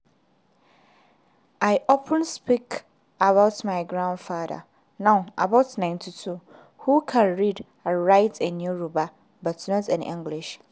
I often speak about my grandfather (now about 92) who can read and write in Yorùbá but not in English.